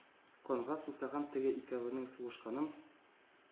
Канга сусаган теге икәвенең сугышканын,